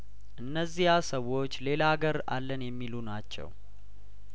እነዚያ ሰዎች ሌላ አገር አለን የሚሉ ናቸው